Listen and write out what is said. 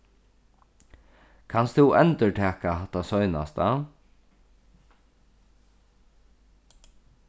kanst tú endurtaka hatta seinasta